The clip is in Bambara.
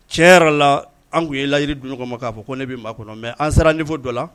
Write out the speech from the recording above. Cɛn yɛrɛ la, an kun ye layidu di ɲɔgɔn ma ka fɔ ko ne bi ma kɔnɔ . Mais an sera niveau dɔ la